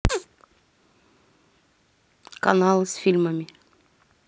каналы с фильмами